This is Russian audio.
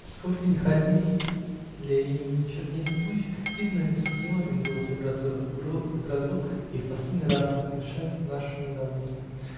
Сколько ни ходили и ни чернели тучи, видно, не суждено им было собраться в грозу и в последний раз помешать нашему удовольствию.